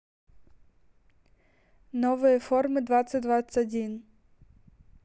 новые формы двадцать двадцать один